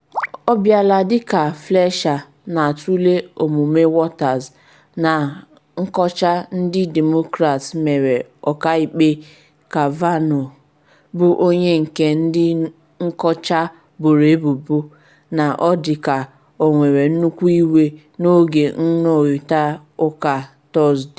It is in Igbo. Ọ bịara dịka Fleischer na-atule omume Waters na nkọcha ndị Demokrat mere Ọka Ikpe Kavanaugh, bụ onye nke ndị nkọcha boro ebubo na ọ dịka ọ were nnukwu iwe n’oge nnụrịta ụka Tọsde.